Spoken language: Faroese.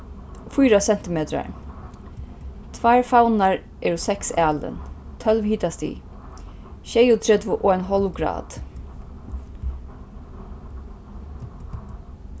fýra sentimetrar tveir favnar eru seks alin tólv hitastig sjeyogtretivu og ein hálv grad